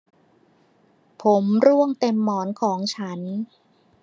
ผมร่วงเต็มหมอนของฉัน